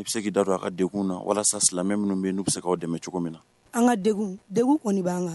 I be se k'i da don a' ka degun na walasa silamɛ minnu be yen n'u be se k'aw dɛmɛ cogo min na an' ŋa degun degun kɔni b' an kan